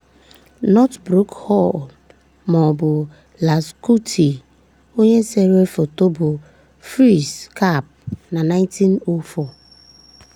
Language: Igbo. Northbrook Hall ma ọ bụ Lal Kuthi - onye sere foto bụ Fritz Kapp na 1904.